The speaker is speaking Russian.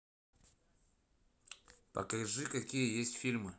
покажи какие есть фильмы